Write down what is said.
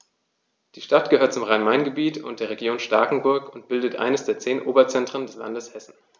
Die Stadt gehört zum Rhein-Main-Gebiet und der Region Starkenburg und bildet eines der zehn Oberzentren des Landes Hessen.